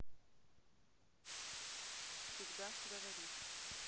всегда говори